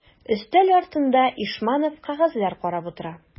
Өстәл артында Ишманов кәгазьләр карап утыра.